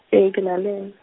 e ke nale yena.